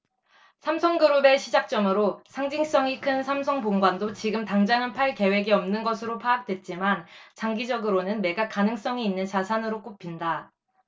삼성그룹의 시작점으로 상징성이 큰 삼성본관도 지금 당장은 팔 계획이 없는 것으로 파악됐지만 장기적으로는 매각 가능성이 있는 자산으로 꼽힌다